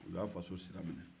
u y'a faso sira minɛ